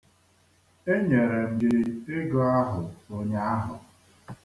Enyere m gị ego ahụ ụnyaahụ.